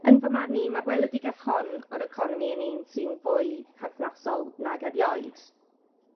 Yn fy marn i, ma'r weledigeth hon o'r economi yn un sy'n fwy perthnasol nag erioed.